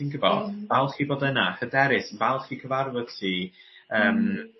ti'n gwbod falch i bod yna hyderus falch i cyfarfod chi yym